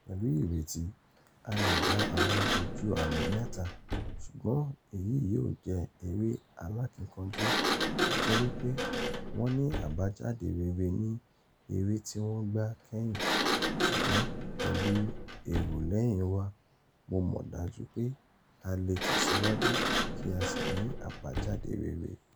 Pẹ̀lú ìrètí, a lè gba àwọn ojú àmì mẹ́ta ṣùgbọ́n èyí yóò jẹ́ eré alákínkanjú nítorí pé wọ́n ní àbájáde rere ní eré tí wọ́n gbá kẹhìn ṣùgbọ́n, pẹ́lù èrò lẹ́hìn wa, Mo mọ̀ dájú pé a lè tẹ̀síwájú kí a sì ní àbájáde rere.